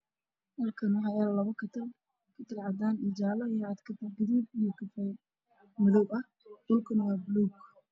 Meeshaan waxaa ka muuqdo labo tarmuush oo kuwa korontada lagaliyo ah mid waa cadaan midna waa guduud